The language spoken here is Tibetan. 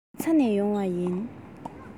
རྒྱ ཚ ནས ཡོང བ ཡིན